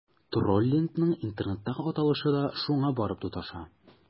Троллингның интернеттагы аталышы да шуңа барып тоташа.